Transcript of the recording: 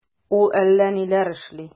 Ул әллә ниләр эшли...